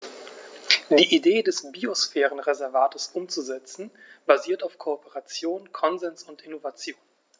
Die Idee des Biosphärenreservates umzusetzen, basiert auf Kooperation, Konsens und Innovation.